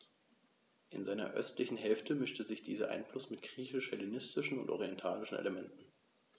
In seiner östlichen Hälfte mischte sich dieser Einfluss mit griechisch-hellenistischen und orientalischen Elementen.